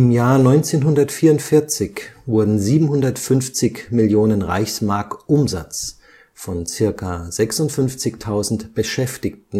Jahr 1944 wurden 750 Millionen RM Umsatz von zirka 56.000 Beschäftigten